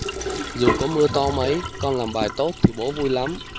dù có mưa to mấy con làm bài tốt thì bố vui lắm